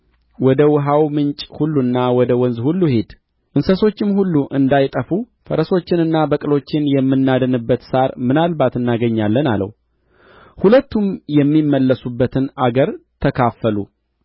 ወደ ውኃው ምንጭ ሁሉና ወደ ወንዝ ሁሉ ሂድ እንስሶችም ሁሉ እንዳይጠፉ ፈረሶችንና በቅሎችን የምናድንበት ሣር ምናልባት እናገኛለን አለው ሁለቱም የሚመለሱበትን አገር ተካፈሉ